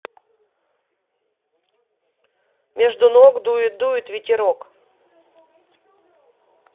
между ног дует дует ветерок